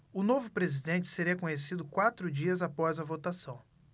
o novo presidente seria conhecido quatro dias após a votação